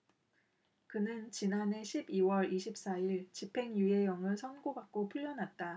그는 지난해 십 이 월 이십 사 일 집행유예형을 선고받고 풀려났다